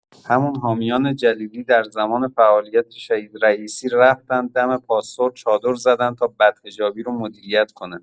همون حامیان جلیلی در زمان فعالیت شهید رئیسی رفتند دم پاستور چادر زدن تا بدحجابی رو مدیریت کنه.